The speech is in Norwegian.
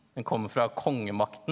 den kommer fra kongemakten.